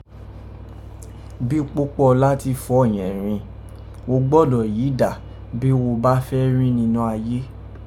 Bí Pópóọlá ti fọ̀ ọ́ yẹ̀n rin, wo gbọ́dọ̀ yídà bí wo bá fẹ́ rí nínọ́ ayé.